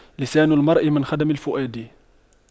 لسان المرء من خدم الفؤاد